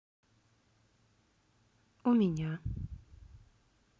у меня